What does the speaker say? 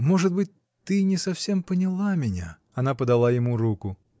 Может быть, ты и не совсем поняла меня. Она подала ему руку.